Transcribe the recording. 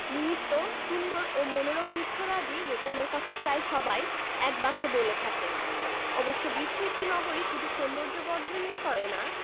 নিমিত্ত সুন্দর ও মনোরম বৃক্ষরাজি রোপণের কথা প্রায় সবাই একবাক্যে বলে থাকেন অবশ্য বৃক্ষ একটি নগরীর শুধু সৌন্দর্যবর্ধনই করে না